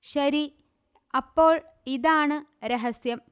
ശരി! അപ്പോൾ ഇതാണ് രഹസ്യം